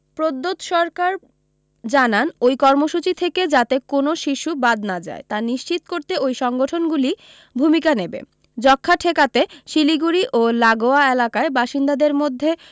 প্রদ্যোত সরকার জানান ওই কর্মসূচী থেকে যাতে কোনও শিশু বাদ না যায় তা নিশ্চিত করতে ওই সংগঠনগুলি ভূমিকা নেবে যক্ষ্মা ঠেকাতে শিলিগুড়ি ও লাগোয়া এলাকায় বাসিন্দাদের মধ্যে